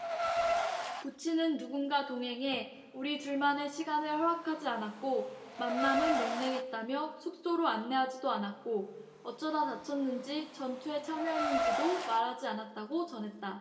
부친은 누군가 동행해 우리 둘만의 시간을 허락하지 않았고 만남은 냉랭했다며 숙소로 안내하지도 않았고 어쩌다 다쳤는지 전투에 참여했는지도 말하지 않았다고 전했다